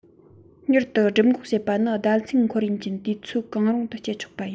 མྱུར དུ སྦྲུམ འགོག བྱེད པ ནི ཟླ མཚན འཁོར ཡུན གྱི དུས ཚོད གང རུང དུ སྤྱད ཆོག པ ཡིན